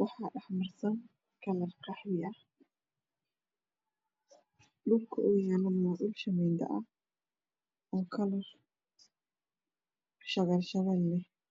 waxaa shax marsan kalar qaxwi ah dhulka uu yaalana waa dhul shamiito ah oo kalar shabeel shaabel leh